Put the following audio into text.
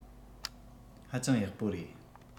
ཧ ཅང ཡག པོ རེད